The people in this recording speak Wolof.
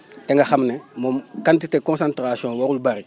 te nga xam ne moom quantité concentration warul bëri